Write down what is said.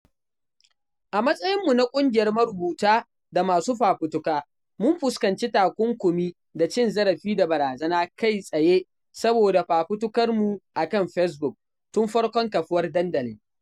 A matsayin mu na ƙungiyar marubuta da masu fafutuka, mun fuskanci takunkumi da cin zarafi da barazana kai tsaye saboda fafutukarmu a kan Facebook tun farkon kafuwar dandalin.